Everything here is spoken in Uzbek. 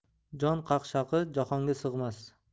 jon qaqshag'i jahonga sig'mas